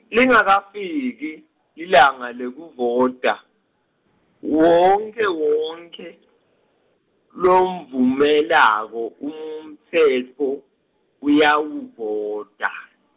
lingakafiki, lilanga lekuvota, wonkhewonkhe , lomvumelako umtsetfo, uyawuvota .